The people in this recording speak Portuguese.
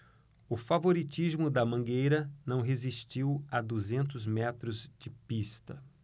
o favoritismo da mangueira não resistiu a duzentos metros de pista